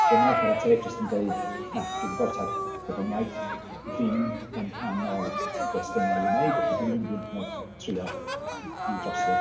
Gemini chwarae teg jyst yn deud "na, dwi'n gwbod taw bod o'n iaith ddim yn rhan o be sgena i i'w wneud felly dwi'm yn mynd i hyd yn oed trio i i'w drosi fo".